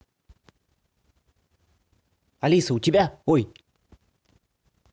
алиса у тебя ой